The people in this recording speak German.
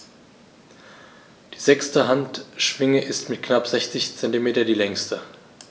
Die sechste Handschwinge ist mit knapp 60 cm die längste.